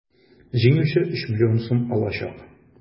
Җиңүче 3 млн сум алачак.